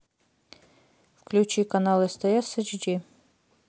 включи канал стс эйч ди